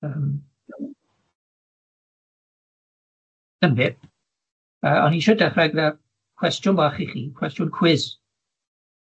Yym, dyn' fe yy o'n i isio dechre gyda cwestiwn bach i chi, cwestiwn cwis,